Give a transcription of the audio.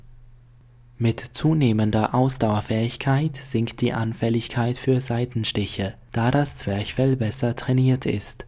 zunehmender Ausdauerfähigkeit sinkt die Anfälligkeit für Seitenstiche, da das Zwerchfell besser trainiert ist